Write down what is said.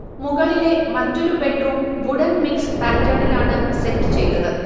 മുകളിലെ മറ്റൊരു bedroom wooden mix പാറ്റേണിലാണ് സെറ്റ് ചെയ്തത്